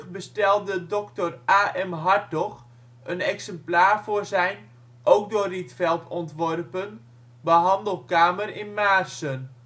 bestelde Dr. A.M. Hartog een exemplaar voor zijn, ook door Rietveld ontworpen, behandelkamer in Maarssen